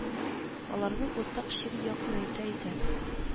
Аларны уртак чир якынайта иде